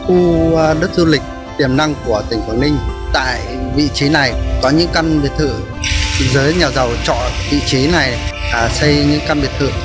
khu đất du lịch tiềm năng của tỉnh quảng ninh tại vị trí này có nhứng căn biệt thự giới nhà giầu chọn vị trí này để xây những căn biệt thự